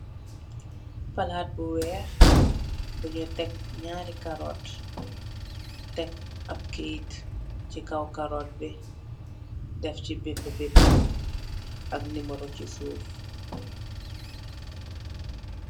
Palat bu weex bu nu tek narri carrot tek am keyit ci kaw carrot daff ci bind bind ak nimiro ci soff.